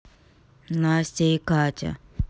настя и катя